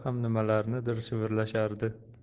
ham nimalarnidir shivirlashardi